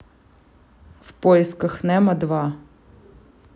в поисках немо два